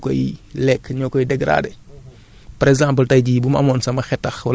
yu ci nekk yu nga xamante ne loo fa sànni ñoom ñoo koy lekk ñoo koy dégrader